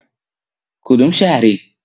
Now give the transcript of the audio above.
کدوم شهری؟